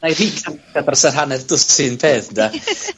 Na'i recapio dros yr hanner dwsin peth ynde?